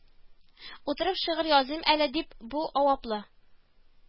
Утырып шигырь языйм әле дип, бу аваплы